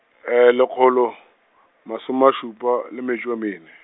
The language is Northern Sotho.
lekgolo, masome a šupa, le metšo e mene.